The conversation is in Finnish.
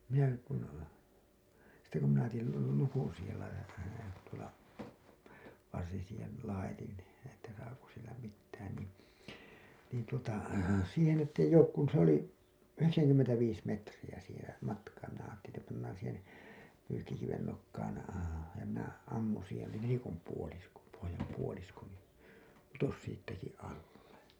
minäkin kun sitten kun tein lukon siihen laitatin tuolla varsin siihen laitoin että saako sillä mitään niin niin tuota siihen että ei ole kun se oli yhdeksänkymmentäviisi metriä siihen matkaa minä ajattelin että pannaan siihen pyykkikiven nokkaan ja minä ammun siihen niin nelikon puolisko pohjan puolisko niin putosi siitäkin alle